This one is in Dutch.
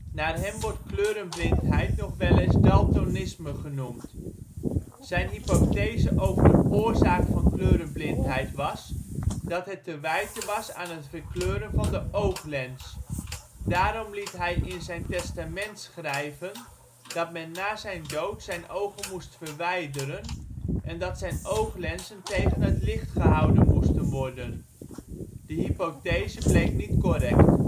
Naar hem wordt kleurenblindheid nog wel eens daltonisme genoemd. Zijn hypothese over de oorzaak van kleurenblindheid was, dat het te wijten was aan het verkleuren van de ooglens; daarom liet hij in zijn testament schrijven dat men na zijn dood zijn ogen moest verwijderen en dat zijn ooglenzen tegen het licht gehouden moesten worden. (De hypothese bleek niet correct